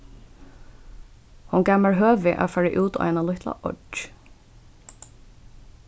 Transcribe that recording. hon gav mær høvi at fara út á eina lítla oyggj